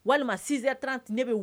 Walima sindi tanti ne bɛ